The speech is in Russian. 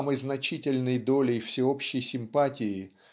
самой значительной долей всеобщей симпатии